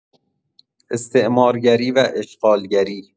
استعمارگری و اشغالگری